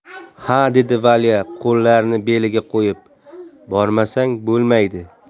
ha dedi valya qo'llarini beliga qo'yib bormasam bo'lmaydi